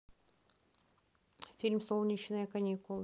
фильм солнечные каникулы